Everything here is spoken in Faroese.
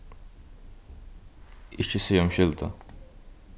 ikki siga umskylda